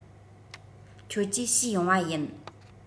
ཁྱོད ཀྱིས བཤུས ཡོང བ ཡིན